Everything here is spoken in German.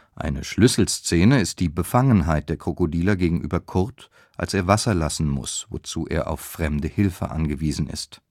Eine Schlüsselszene ist die Befangenheit der Krokodiler gegenüber Kurt, als er Wasser lassen muss, wozu er auf fremde Hilfe angewiesen ist